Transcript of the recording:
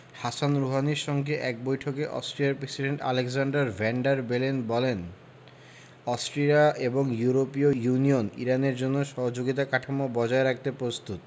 হাসান রুহানির সঙ্গে এক বৈঠকে অস্ট্রিয়ার president Alexander van der Bellen বলেন অস্ট্রিয়া এবং ইউরোপীয় ইউনিয়ন ইরানের জন্য সহযোগিতা কাঠামো বজায় রাখতে প্রস্তুত